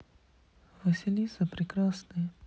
василиса прекрасная